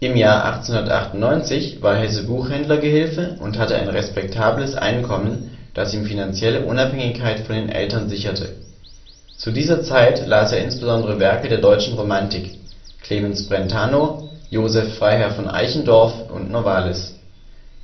Im Jahr 1898 war Hesse Buchhändlergehilfe und hatte ein respektables Einkommen, das ihm finanzielle Unabhängigkeit von den Eltern sicherte. Zu dieser Zeit las er insbesondere Werke der deutschen Romantik: Clemens Brentano, Joseph Freiherr von Eichendorff, Novalis.